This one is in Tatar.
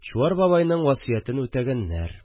Чуар бабайның васыятен үтәгәннәр